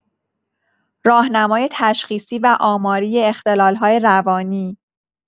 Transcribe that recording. راهنمای تشخیصی و آماری اختلال‌های روانی